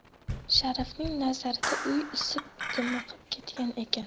sharifning nazarida uy isib dimiqib ketgan ekan